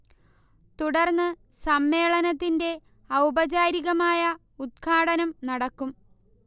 തുടർന്ന് സമ്മേളനത്തിന്റെ ഔപചാരികമായ ഉത്ഘാടനം നടക്കും